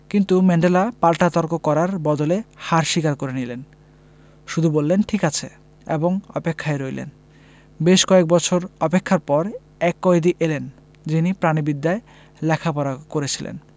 কিন্তু ম্যান্ডেলা পাল্টা তর্ক করার বদলে হার স্বীকার করে নিলেন শুধু বললেন ঠিক আছে এবং অপেক্ষায় রইলেন বেশ কয়েক বছর অপেক্ষার পর এক কয়েদি এলেন যিনি প্রাণিবিদ্যায় লেখাপড়া করেছিলেন